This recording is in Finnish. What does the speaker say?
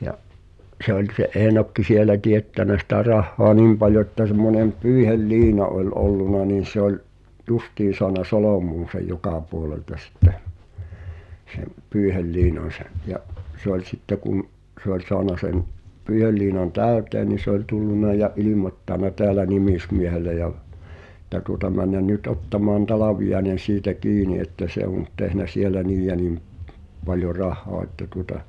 ja se oli se Eenokki siellä teettänyt sitä rahaa niin paljon että semmoinen pyyheliina oli ollut niin se oli justiin saanut solmuun sen joka puolelta sitten sen pyyheliinan se ja se oli sitten kun se oli saanut sen pyyheliinan täyteen niin se oli tullut ja ilmoittanut täällä nimismiehelle ja että tuota mennä nyt ottamaan Talviainen siitä kiinni että se on nyt tehnyt siellä niin ja niin paljon rahaa että tuota